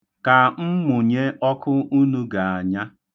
Ka m munye ọkụ unu ga-anya.